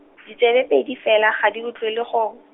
ditsebe pedi fela ga di utlwele gongwe.